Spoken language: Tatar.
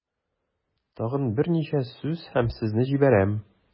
Тагын берничә сүз һәм сезне җибәрәм.